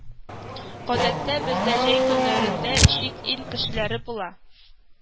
“гадәттә бездә җәй көннәрендә чит ил кешеләре була